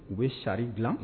U bɛ sari dilan